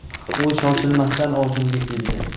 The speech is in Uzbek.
u shoshilmasdan oldimga keldi